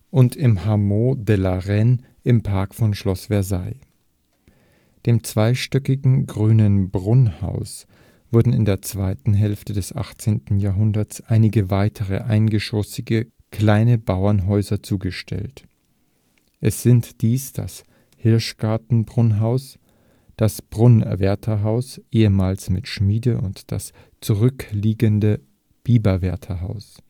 und im Hameau de la Reine im Park von Schloss Versailles (1783). Dem zweistöckigen Grünen Brunnhaus wurden in der zweiten Hälfte des 18. Jahrhunderts einige weitere eingeschossige kleine Bauernhäuser zugesellt. Es sind dies das Hirschgartenbrunnhaus, das Brunnwärterhaus, ehemals mit Schmiede, und das zurückliegende Biberwärterhaus